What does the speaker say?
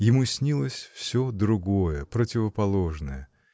Ему снилось всё другое, противоположное.